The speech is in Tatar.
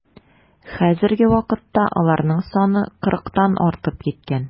Хәзерге вакытта аларның саны кырыктан артып киткән.